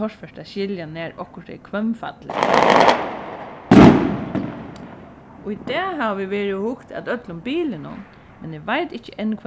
torført at skilja nær okkurt er hvønnfalli í dag hava vit verið og hugt at øllum bilunum men eg veit ikki enn